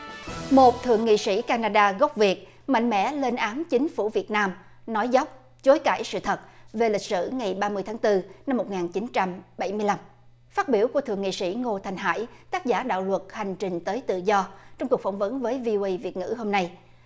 một thượng nghị sĩ ca na đa gốc việt mạnh mẽ lên án chính phủ việt nam nói dóc chối cãi sự thật về lịch sử ngày ba mươi tháng tư năm một ngàn chín trăm bảy mươi lăm phát biểu của thượng nghị sĩ ngô thanh hải tác giả đạo luật hành trình tới tự do trong cuộc phỏng vấn với vi ô ây việt ngữ hôm nay